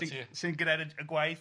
sy'n sy'n gneud y y gwaith.